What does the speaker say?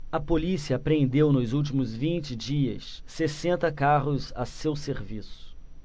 a polícia apreendeu nos últimos vinte dias sessenta carros a seu serviço